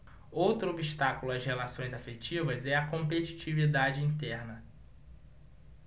outro obstáculo às relações afetivas é a competitividade interna